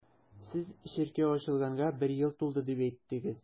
Сез чиркәү ачылганга бер ел тулды дип әйттегез.